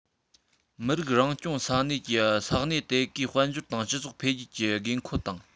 མི རིགས རང སྐྱོང ས གནས ཀྱིས ས གནས དེ གའི དཔལ འབྱོར དང སྤྱི ཚོགས འཕེལ རྒྱས ཀྱི དགོས མཁོ དང